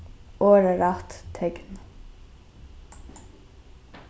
orðarætt tekn